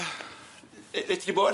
Yy l- lle ti di bod?